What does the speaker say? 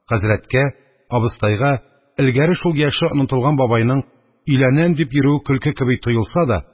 Хәзрәткә, абыстайга элгәре шул яше онытылган бабайның «өйләнәм» дип йөрүе көлке кеби тоелса да,